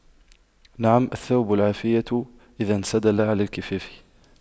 نعم الثوب العافية إذا انسدل على الكفاف